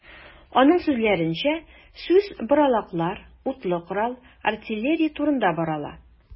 Аның сүзләренчә, сүз боралаклар, утлы корал, артиллерия турында бара ала.